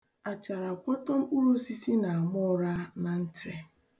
Acharakwoto mkpụrụosisi na-ama ụra na ntị.